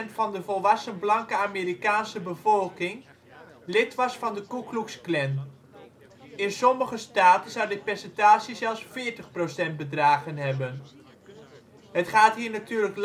van de volwassen blanke Amerikaanse bevolking lid was van de Ku Klux Klan. In sommige staten zou dit percentage zelfs 40 % bedragen hebben. Het gaat hier natuurlijk